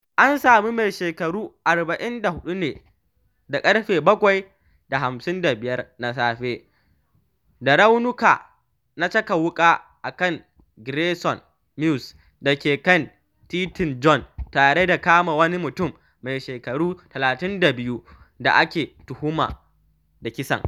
An sami mai shekaru 44 ne da ƙarfe 7:55 na safe da raunuka na caka wuka a kan Grayson Mews da ke kan Titin John, tare da kama wani mutum mai shekaru 32 da ake tuhuma da kisan.